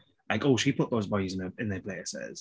Like oh she put those boys in in their places.